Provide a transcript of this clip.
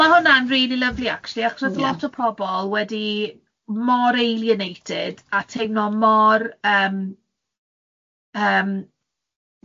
Ma' hwnna'n rili lyfli actually, achos oedd lot o pobl wedi mor alienated a teimlo mor yym, yym,